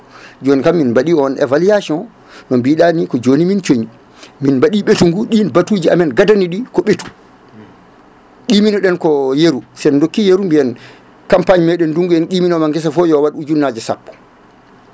joni kam min mbaɗi on évaluattion no mbiɗa ni joni joni min cooñin min mbaɗi ɓesgu ɗin batuji amen gadeneɗi ko ɓeetu qimini ɗen ko yeero sen dokki yeeru mbiyen campagne meɗen ndungu en qiminoma guesa fo yo wat ujunnaaje sappo